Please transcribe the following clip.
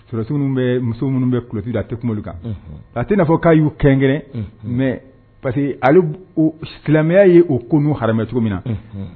Suk bɛ muso minnu bɛlo a tɛ kunkolo kan a tɛ'a fɔ k'a y'u kɛkɛrɛn mɛ parce que ali silamɛya ye' ko n'u hamɛ cogo min na